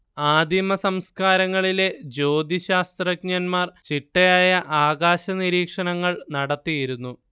ആദിമസംസ്കാരങ്ങളിലെ ജ്യോതിശ്ശാസ്ത്രജ്ഞന്മാർ ചിട്ടയായ ആകാശനിരീക്ഷണങ്ങൾ നടത്തിയിരുന്നു